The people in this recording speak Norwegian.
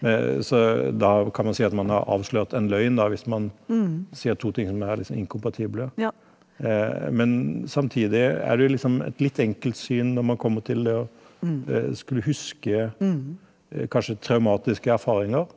så da kan man si at man har avslørt en løgn da, hvis man sier to ting som er liksom inkompatible men samtidig er det jo liksom et litt enkelt syn når man kommer til det å skulle huske kanskje traumatiske erfaringer.